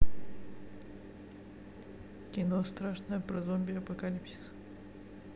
кино страшное про зомби апокалипсис